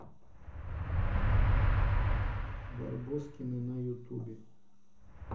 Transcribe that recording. барбоскины на ютубе